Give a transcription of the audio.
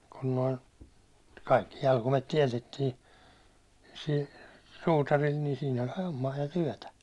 kun noin kaikki jalkaimet tiedettiin sillä suutarilla niin siinä oli hommaa ja työtä